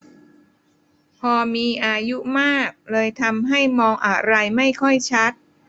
พอมีอายุมากเลยทำให้มองอะไรไม่ค่อยชัด